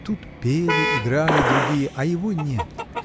тут пели, играли другие, а его нет